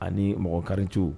Ani mɔgɔ karinciw